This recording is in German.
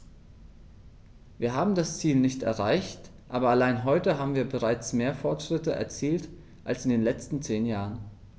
Wir haben das Ziel nicht erreicht, aber allein heute haben wir bereits mehr Fortschritte erzielt als in den letzten zehn Jahren.